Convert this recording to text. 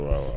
waaw waaw